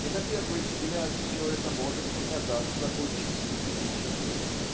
и на первый взгляд все это может показаться очень специфическим